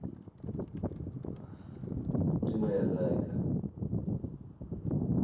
ты моя зайка